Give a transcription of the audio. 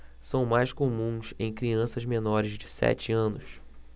são mais comuns em crianças menores de sete anos